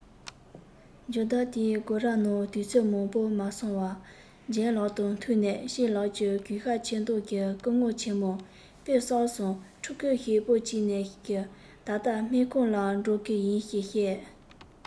འབྱོར བདག དེའི སྒོ ར ནས དུས ཚོད མང པོ མ སོང བར ལྗད ལགས དང ཐུག ནས སྤྱང ལགས ཀྱིས གུས ཞབས ཆེ མདོག གིས སྐུ ངོ ཆེན མོ དཔེ བསགས སོང ཕྲུ གུ ཞེ པོ ཅིག ན གིས ད ལྟ སྨན ཁང ལ འགྲོ གི ཡིན ཞེས བཤད